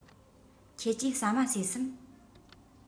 ཁྱེད ཀྱིས ཟ མ ཟོས སམ